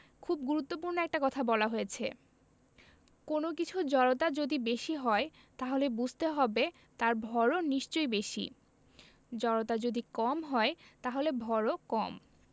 খুব গুরুত্বপূর্ণ একটা কথা বলা হয়েছে কোনো কিছুর জড়তা যদি বেশি হয় তাহলে বুঝতে হবে তার ভরও নিশ্চয়ই বেশি জড়তা যদি কম হয় তাহলে ভরও কম